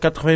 waaw